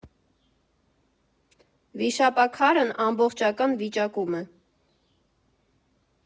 Վիշապաքարն ամբողջական վիճակում է։